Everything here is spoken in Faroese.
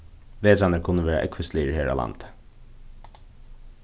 vetrarnir kunnu vera ógvusligir her á landi